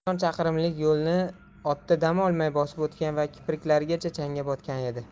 u sakson chaqirimlik yo'lni otda dam olmay bosib o'tgan va kipriklarigacha changga botgan edi